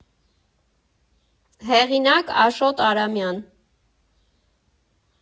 Հեղինակ՝ Աշոտ Արամյան։